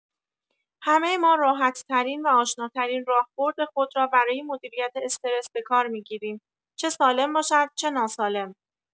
همه ما راحت‌ترین و آشناترین راهبرد خود را برای مدیریت استرس به کار می‌گیریم، چه سالم باشد چه ناسالم.